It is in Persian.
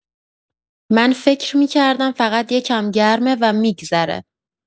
من فکر می‌کردم فقط یکم گرمه و می‌گذره.